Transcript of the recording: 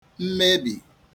mmebì